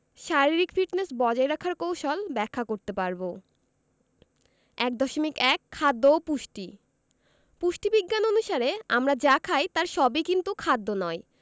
শারীরিক ফিটনেস বজায় রাখার কৌশল ব্যাখ্যা করতে পারব ১.১ খাদ্য ও পুষ্টি পুষ্টিবিজ্ঞান অনুসারে আমরা যা খাই তার সবই কিন্তু খাদ্য নয়